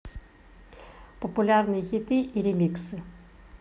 популярные хиты и ремиксы